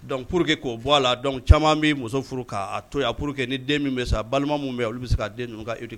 Donc pour que'o bɔ a la dɔn caman bɛ muso furu k'a to yan a pour que ni den min bɛ sa balima min bɛ olu bɛ se ka den ninnu kan